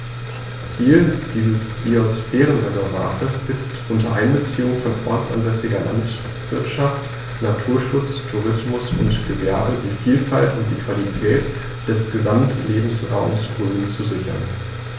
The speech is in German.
Ziel dieses Biosphärenreservates ist, unter Einbeziehung von ortsansässiger Landwirtschaft, Naturschutz, Tourismus und Gewerbe die Vielfalt und die Qualität des Gesamtlebensraumes Rhön zu sichern.